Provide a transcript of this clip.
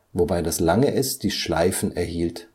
wobei das lange s die Schleifen erhielt